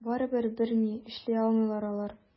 Барыбер берни эшли алмыйлар алар.